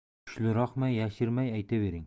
kuchliroqmi yashirmay aytavering